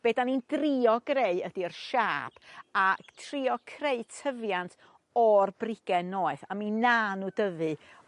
Be' 'dan ni'n drio greu ydi'r siâp a trio creu tyfiant o'r brige noeth a mi 'na n'w dyfu